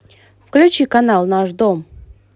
включи канал наш дом